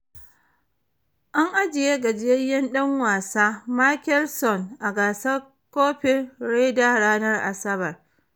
An ajiye gajiyayyen dan wasa Mickelson a gasar Kofin Ryder ranar Asabar